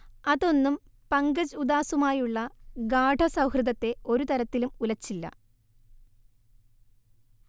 അതൊന്നും പങ്കജ് ഉദാസുമായുള്ള ഗാഢ സൗഹൃദത്തെ ഒരു തരത്തിലും ഉലച്ചില്ല